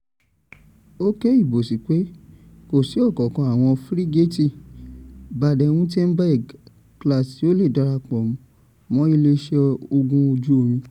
Ó ké ìbòsí pe kò sí ọ̀kankan àwọn fírígéètì Baden-Wuerttemberg-class tí ó le darapọ̀ mọ́ Ilé iṣẹ́ Ogún ojú omi.